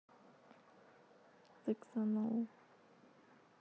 секс анал